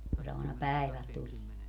kun se aina päivällä tulee